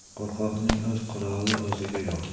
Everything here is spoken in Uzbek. qo'rqoqning o'z quroli o'ziga yov